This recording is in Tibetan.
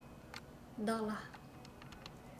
བདག ལ